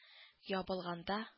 Ябылганда